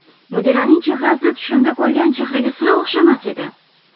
mudiraning chehrasi tushimda ko'rgan chehraga sira o'xshamas edi